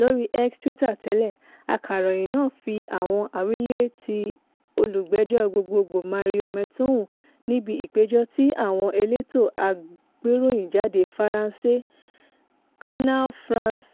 Lórí X (Twitter tẹ́lẹ̀), akọ̀ròyìn náà fi àwọn àwílé ti olúgbèjọ́ gbogboogbò, Mario Metonou, níbi ìpèjọ tí àjọ elétò agbéròyìnjáde Faransé, Canal France